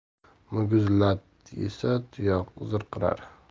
muguz lat yesa tuyoq zirqirar